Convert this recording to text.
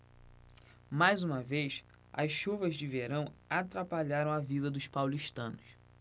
mais uma vez as chuvas de verão atrapalharam a vida dos paulistanos